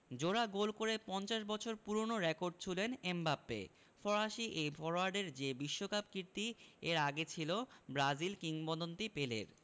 জোড়া গোল করে ৫০ বছর পুরোনো রেকর্ড ছুঁলেন এমবাপ্পে ফরাসি এই ফরোয়ার্ডের যে বিশ্বকাপ কীর্তি এর আগে ছিল ব্রাজিল কিংবদন্তি পেলের